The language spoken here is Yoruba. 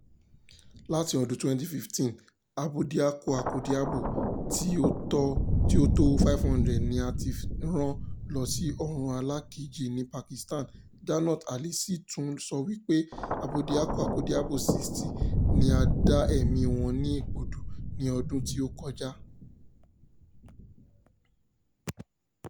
Láti ọdún 2015, abódiakọ-akọ́diabo tí ó tó 500 ni a ti rán lọ sí ọ̀run alakákeji ní Pakistan , Jannat Ali sì tún sọ wípé Abódiakọ-akọ́diabo 60 ni a dá ẹ̀mí wọn ní ẹ̀gbodò ní ọdún tí ó kọjá.